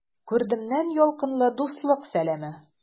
Күрдемнән ялкынлы дуслык сәламе!